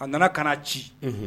A nana ka ci